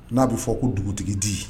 N'a bɛ fɔ ko dugutigi di.